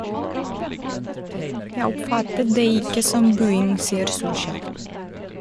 - Jeg oppfattet det ikke som buing, sier Solskjær.